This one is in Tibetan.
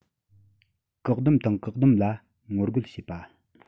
བཀག སྡོམ དང བཀག སྡོམ ལ ངོ རྒོལ བྱེད པ